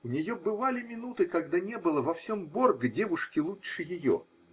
У нее бывали минуты, когда не было во всем Борго девушки лучше ее.